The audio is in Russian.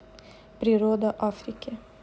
природа африки